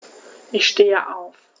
Ich stehe auf.